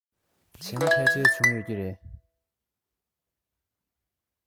བྱས ན ཕལ ཆེར བྱུང ཡོད ཀྱི རེད